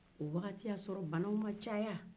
o wagati y'a sɔrɔ banaw ma caaya